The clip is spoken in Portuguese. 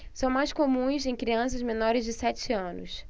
são mais comuns em crianças menores de sete anos